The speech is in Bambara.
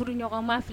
Furuɲɔgɔnma fil